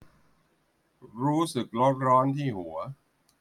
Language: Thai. รู้สึกร้อนร้อนที่หัว